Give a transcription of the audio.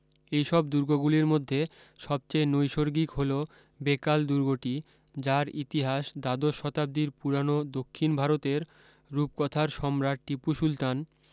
এইসব দুর্গগুলির মধ্যে সবচেয়ে নৈসর্গিক হল বেকাল দুর্গটি যার ইতিহাস দ্বাদশ শতাব্দীর পুরানো দক্ষিণ ভারতের রূপকথার সম্রাট টিপু সুলতান